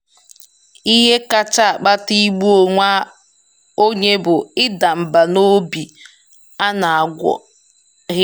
Ihe kacha akpata igbu onwe onye bụ ịda mbà n'obi a na-agwọghị.